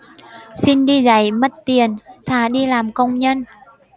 xin đi dạy mất tiền thà đi làm công nhân